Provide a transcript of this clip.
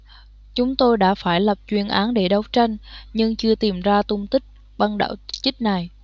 chúng tôi đã phải lập chuyên án để đấu tranh nhưng chưa tìm ra tung tích băng đạo chích này